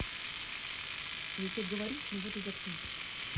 я тебе говорю ну вот и заткнись